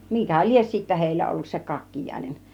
mikä lie sitten heillä ollut se kakkiainen